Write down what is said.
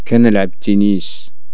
كنلعب التنيس